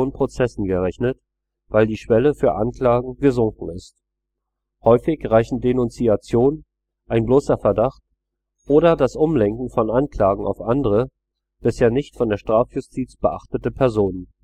Prozessen gerechnet, weil die Schwelle für Anklagen gesunken ist. Häufig reichen Denunziation, ein bloßer Verdacht oder das Umlenken von Anklagen auf andere, bisher nicht von der Strafjustiz beachtete Personen